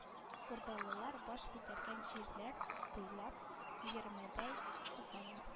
Урдалылар баш күтәргән җирләр буйлап өермәдәй узалар